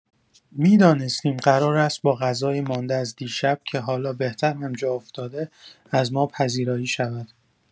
می‌دانستیم قرار است با غذای مانده از دیشب که حالا بهتر هم جا افتاده از ما پذیرایی شود.